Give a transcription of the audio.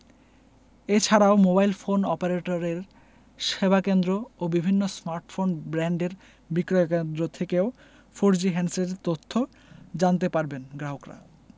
এ ছাড়াও mobile phone অপারেটরের সেবাকেন্দ্র ও বিভিন্ন স্মার্টফোন ব্র্যান্ডের বিক্রয়কেন্দ্র থেকেও ফোরজি হ্যান্ডসেটের তথ্য জানতে পারবেন গ্রাহকরা